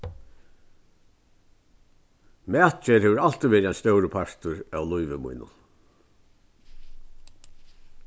matgerð hevur altíð verið ein stórur partur av lívi mínum